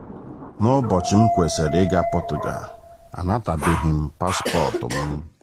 N'ụbọchị m kwesịrị ịga Portugal, anatabeghị m paspọtụ m.